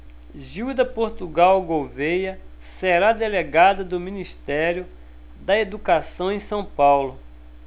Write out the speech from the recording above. gilda portugal gouvêa será delegada do ministério da educação em são paulo